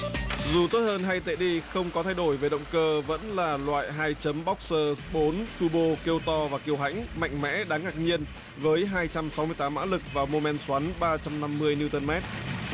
dù tốt hơn hay tệ đi không có thay đổi về động cơ vẫn là loại hai chấm bốc cơ bốn tu bơ kêu to và kiêu hãnh mạnh mẽ đáng ngạc nhiên với hai trăm sáu mươi tám mã lực và mô men xoắn ba trăm năm mươi niu tơn mét